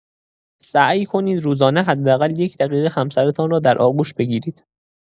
سعی کنید روزانه حداقل یک دقیقه همسرتان را در آغوش بگیرید.